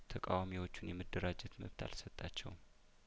ተቃዋሚዎቹን የመደራጀት መብት አልሰጣቸውም